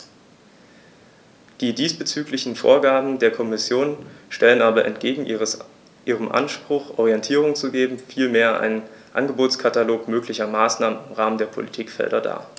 Die diesbezüglichen Vorgaben der Kommission stellen aber entgegen ihrem Anspruch, Orientierung zu geben, vielmehr einen Angebotskatalog möglicher Maßnahmen im Rahmen der Politikfelder dar.